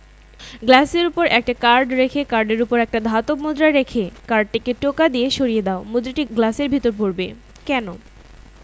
নিউটনের প্রথম সূত্রের প্রথম অংশ নিয়ে কারো সমস্যা হয় না কারণ আমরা সব সময়ই দেখেছি স্থির বস্তুকে ধাক্কা না দেওয়া পর্যন্ত সেটা নিজে থেকে নড়ে না স্থির থেকে যায়